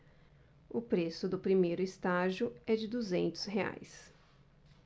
o preço do primeiro estágio é de duzentos reais